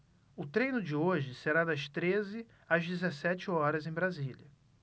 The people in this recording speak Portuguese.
o treino de hoje será das treze às dezessete horas em brasília